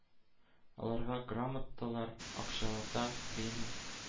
Аларга грамоталар, акчалата премия